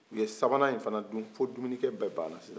u ye sabanan fana dun fɔ dumunni kɛ bɛ baana sisan